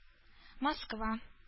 Москва